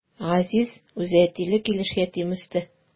Газиз үзе әтиле килеш ятим үсте.